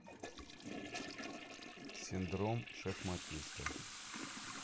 синдром шахматиста